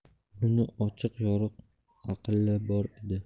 uni ochiq yoriq aqlli bor edi